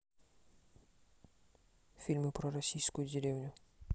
фильмы про российскую деревню